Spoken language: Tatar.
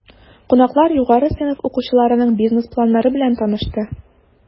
Кунаклар югары сыйныф укучыларының бизнес планнары белән танышты.